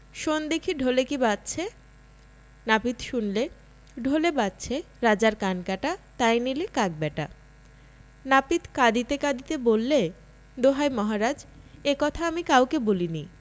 শোন দেখি ঢোলে কী বাজছে নাপিত শুনলে ঢোলে বাজছে রাজার কান কাটা তাই নিলে কাক ব্যাটা নাপিত কঁাদিতে কাদিতে বললে দোহাই মহারাজ এ কথা আমি কাউকে বলিনি